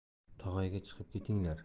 to'qayga chiqib ketinglar